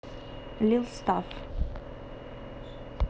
lil stuff